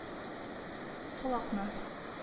Колакны